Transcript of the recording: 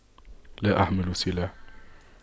لا أحمل سلاح